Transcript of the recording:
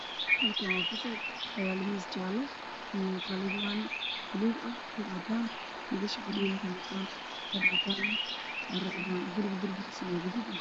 Halkaan waa fasal waxaa yaalo miis jaale iyo qalimaan buluug ah, buug cadaan ah, wiilasha fadhiyo waxay wataan shaarar cadaan ah, guriga darbigiisu waa gaduud.